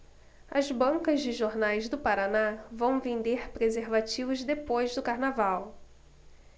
as bancas de jornais do paraná vão vender preservativos depois do carnaval